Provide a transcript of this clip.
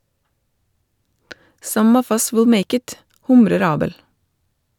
- «Some of us will make it», humrer Abel.